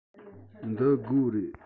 འདི སྒོ རེད